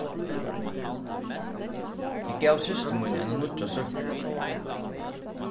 eg gav systur míni eina nýggja súkklu